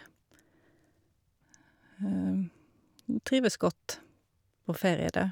Trives godt på ferie der.